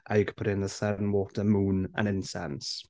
And you can put it in the sun, water, moon and incense.